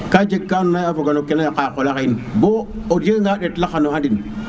ka jeg ka andona ye a foga no kena yaqa xa qola xe in bo o jega nga ndet lax xayo andin